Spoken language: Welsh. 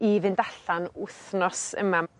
i fynd allan wthnos yma.